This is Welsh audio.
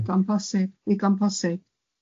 Ddigon posib, digon posib.